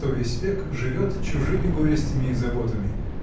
что весь век живет чужими горестями и заботами